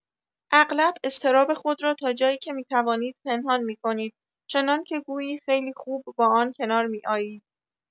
اغلب اضطراب خود را تا جایی که می‌توانید پنهان می‌کنید، چنان‌که گویی خیلی خوب با آن کنار می‌آیید.